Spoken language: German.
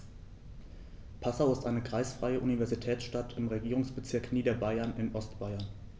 Passau ist eine kreisfreie Universitätsstadt im Regierungsbezirk Niederbayern in Ostbayern.